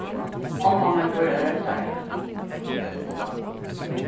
omma mín býr á røktarheimi